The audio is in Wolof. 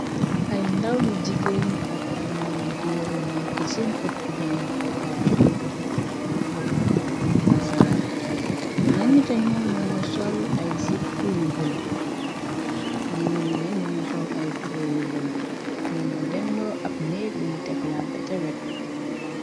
Aye ndaw yi jigéen ak ay ndaw yu góor yu nekki seen ëttu jànkoo kaya xamxam bu nasaraan nyene ca ñoom ñoo nga sol ay sepa yu bulo ñyeneen nye ñoo nga sol ay tubaye yu bulo ñoo nga dendoo ab néek biñu teglante ca wetga.